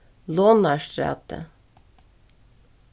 lonarstræti